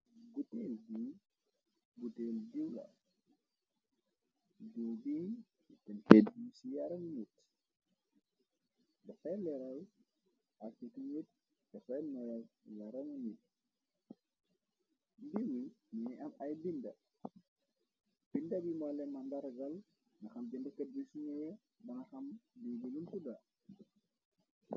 Gueel l j bi ippen xeet yu ci yarana nit da fay leeral artik nit de fay moyar yarang nitdiiwi mina am ay binda bindabi molema ndargal naxam jë ndëkkat bu suñeya bana xam diw bi lun tudda.